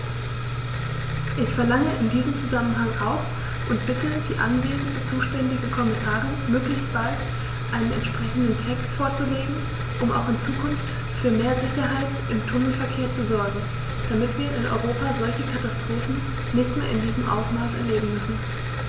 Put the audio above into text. Ich verlange in diesem Zusammenhang auch und bitte die anwesende zuständige Kommissarin, möglichst bald einen entsprechenden Text vorzulegen, um auch in Zukunft für mehr Sicherheit im Tunnelverkehr zu sorgen, damit wir in Europa solche Katastrophen nicht mehr in diesem Ausmaß erleben müssen!